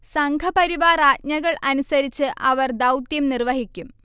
സംഘപരിവാർ ആജ്ഞകൾ അനുസരിച്ച് അവർ ദൗത്യം നിർവ്വഹിക്കും